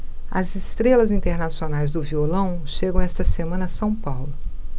as estrelas internacionais do violão chegam esta semana a são paulo